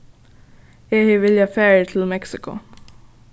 eg hevði viljað farið til meksiko